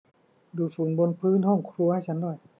ดูดฝุ่นบนพื้นห้องครัวให้ฉันหน่อย